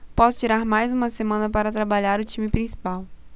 posso tirar mais uma semana para trabalhar o time principal